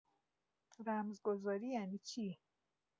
رمزگذاری یعنی چی؟